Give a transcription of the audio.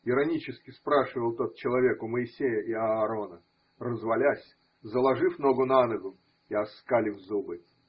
– иронически спрашивал тот человек у Моисея и Аарона, развалясь, заложив ногу на ногу и оскалив зубы.